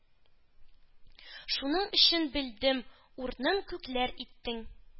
Шуның өчен, белдем, урным күкләр иттең.